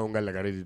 Aw ka lagali